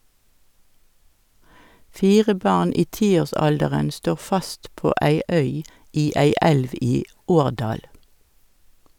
Fire barn i tiårsalderen står fast på ei øy i ei elv i Årdal.